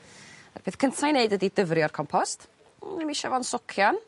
Y peth cynta i neud ydi dyfrio'r compost mm ni'm isio fo'n socian.